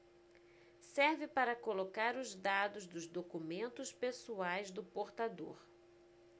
serve para colocar os dados dos documentos pessoais do portador